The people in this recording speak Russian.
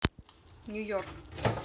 нью йорк